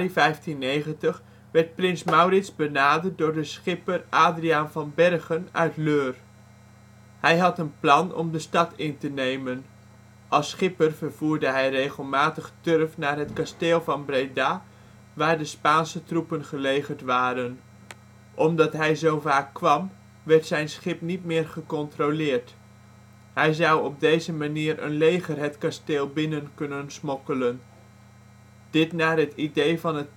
1590 werd prins Maurits benaderd door de schipper Adriaen van Bergen uit Leur. Hij had een plan om de stad in te nemen: als schipper vervoerde hij regelmatig turf naar het Kasteel van Breda, waar de Spaanse troepen gelegerd waren. Omdat hij zo vaak kwam, werd zijn schip niet meer gecontroleerd. Hij zou op deze manier een leger het kasteel binnen kunnen smokkelen. Dit naar het idee van het